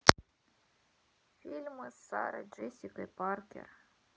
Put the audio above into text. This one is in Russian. фильмы с сарой джессикой паркер